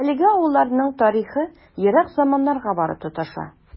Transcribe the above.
Әлеге авылларның тарихы ерак заманнарга барып тоташа.